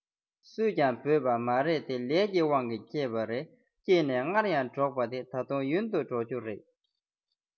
སུས ཀྱང བོས པ མ རེད དེ ལས ཀྱི དབང གིས སྐྱེས པ རེད སྐྱེས ནས སྔར ཡང འགྲོགས པ རེད ད དུང ཡུན དུ འགྲོགས རྒྱུ རེད